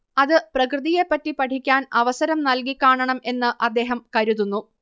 അത് പ്രകൃതിയെപറ്റി പഠിക്കാൻ അവസരം നൽകിക്കാണണം എന്ന് അദ്ദേഹം കരുതുന്നു